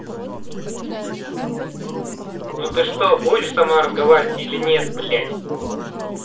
ну ты что будешь со мной разговаривать или нет блядь